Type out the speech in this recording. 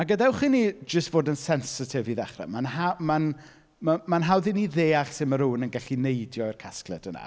A gadewch i ni jyst fod yn sensitif i ddechrau. Ma'n haw- mae'n, ma- mae'n hawdd i ni ddeall sut ma' rywun yn gallu neidio i'r casgliad yna.